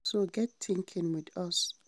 So get thinking with us!